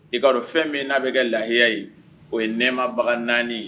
I karɔ fɛn min n'a bɛ kɛ lahiya ye o ye nɛmabaga naani